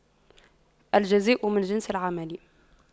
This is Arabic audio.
الجزاء من جنس العمل